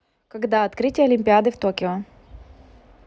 когда открытие олимпиады в токио